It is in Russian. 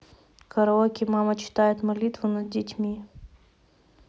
караоке мама читает молитву над детьми